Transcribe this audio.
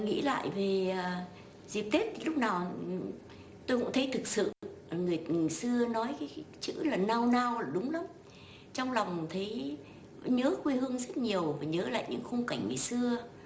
nghĩ lại về à dịp tết lúc nào tôi cũng thấy thực sự người xưa nói cái chữ là nao nao là đúng lắm trong lòng thấy nhớ quê hương nhiều và nhớ lại những khung cảnh như xưa